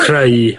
...creu...